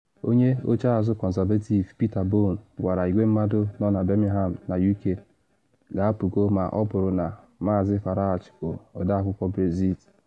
Onye oche azụ Conservative Peter Bone gwara igwe mmadụ nọ na Birmingham na UK “ga-apụgo’ ma ọ bụrụ na Maazị Farage bụ Ọde Akwụkwọ Brexit.